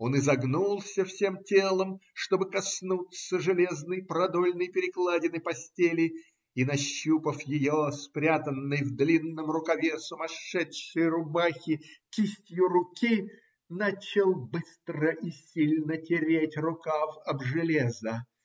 Он изогнулся всем телом, чтобы коснуться железной продольной перекладины постели, и, нащупав ее спрятанной в длинном рукаве сумасшедшей рубахи кистью руки, начал быстро и сильно тереть рукав об железо.